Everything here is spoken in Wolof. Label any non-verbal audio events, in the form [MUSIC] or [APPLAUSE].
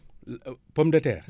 [HESITATION] pomme de terre